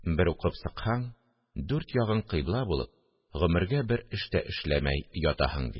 Бер укып сыкһаң, дүрт ягың кыйбла булып, гомергә бер эш тә эшләмәй ятаһың бит